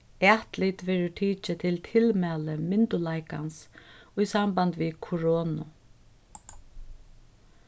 atlit verður tikið til tilmæli myndugleikans í samband við koronu